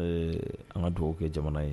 Ye an ka dugawu kɛ jamana ye